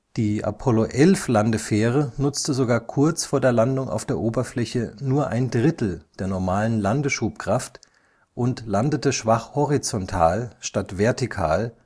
Die Apollo-11-Landefähre nutzte sogar kurz vor der Landung auf der Oberfläche nur ein Drittel der normalen Landeschubkraft und landete schwach horizontal, statt vertikal